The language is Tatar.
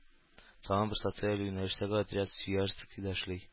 Тагын бер социаль юнәлештәге отряд Свияжскида эшли